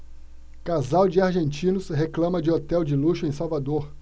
casal de argentinos reclama de hotel de luxo em salvador